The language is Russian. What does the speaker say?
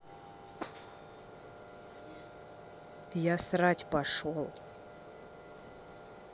я срать пошел